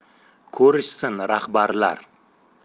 ko'rishsin rahbarlar